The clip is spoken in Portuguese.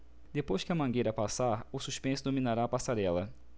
depois que a mangueira passar o suspense dominará a passarela